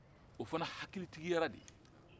o fana hakilitigira de